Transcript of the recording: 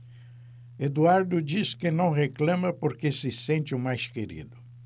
eduardo diz que não reclama porque se sente o mais querido